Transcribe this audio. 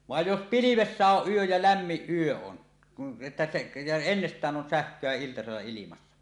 vaan jos pilvessä on yö ja lämmin yö on että se ja ennestään on sähköä iltasella ilmassa